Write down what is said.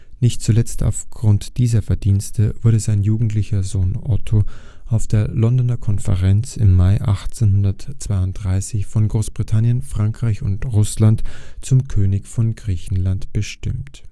Nicht zuletzt aufgrund dieser Verdienste wurde sein jugendlicher Sohn Otto auf der Londoner Konferenz im Mai 1832 von Großbritannien, Frankreich und Russland zum König von Griechenland bestimmt